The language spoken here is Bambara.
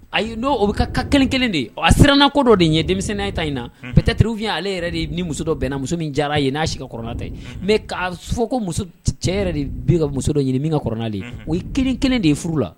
A don o bɛ ka ka kelen kelen de a sirannako dɔ de ye denmisɛnninya ta in na ptɛurufinyya ale yɛrɛ de ni muso dɔ bɛnna muso min diyara ye n'a si sigi ka kɔrɔnɛtɛ mɛ k'a fɔ ko muso cɛ yɛrɛ de bɛ ka muso dɔ ɲini min ka kɔrɔɛ o ye kelen kelen de ye furu la